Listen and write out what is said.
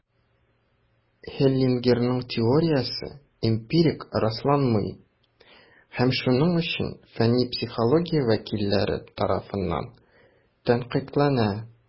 Хеллингерның теориясе эмпирик расланмый, һәм шуның өчен фәнни психология вәкилләре тарафыннан тәнкыйтьләнә.